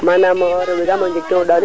a ko dufa pour o fudof daal